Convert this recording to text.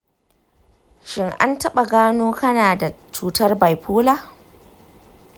shin an taɓa gano kana da cutar bipolar?